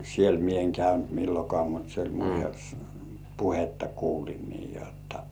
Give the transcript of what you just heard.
siellä minä en käynyt milloinkaan mutta se oli puhetta kuulin niin jotta